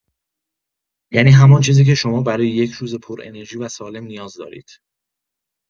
یعنی همان چیزی که شما برای یک روز پرانرژی و سالم نیاز دارید!